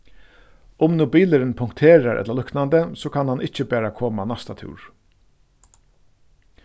um nú bilurin punkterar ella líknandi so kann hann ikki bara koma næsta túr